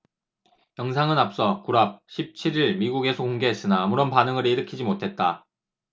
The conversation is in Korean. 영상은 앞서 구랍 십 칠 일 미국에서 공개했으나 아무런 반응을 일으키지 못했다